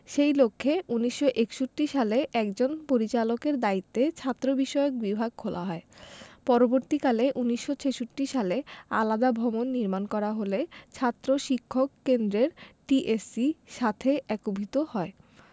সেই লক্ষ্যে ১৯৬১ সালে একজন পরিচালকের দায়িত্বে ছাত্রবিষয়ক বিভাগ খোলা হয় পরবর্তীকালে ১৯৬৬ সালে আলাদা ভবন নির্মাণ করা হলে ছাত্র শিক্ষক কেন্দ্রের টিএসসি সাথে একীভূত হয়